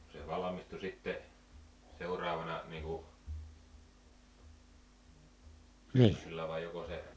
se valmistui sitten seuraavana niin kuin syksyllä vai joko se